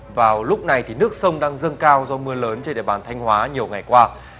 vào lúc này thì nước sông đang dâng cao do mưa lớn trên địa bàn thanh hóa nhiều ngày qua